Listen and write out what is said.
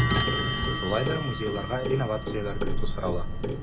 Шулай да музейларга инновацияләр кертү сорала.